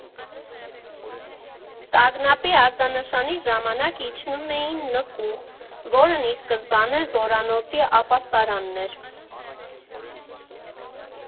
Տագնապի ազդանշանի ժամանակ իջնում էին նկուղ, որն ի սկզբանե զորանոցի ապաստարանն էր։